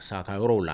Sa ka yɔrɔw la